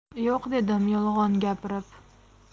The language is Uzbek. yo'q dedim yolg'on gapirib